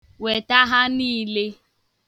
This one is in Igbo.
Weta ha niile.